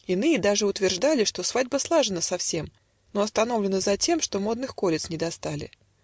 Иные даже утверждали, Что свадьба слажена совсем, Но остановлена затем, Что модных колец не достали.